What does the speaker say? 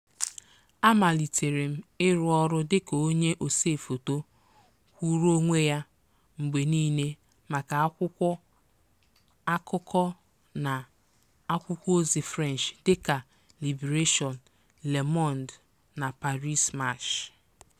Amalitere m ịrụ ọrụ dịka onye osee foto kwụụrụ onwe ya mgbe niile maka akwụkwọ akụkọ na akwụkwọozi French, dịka Libération, Le Monde, na Paris Match.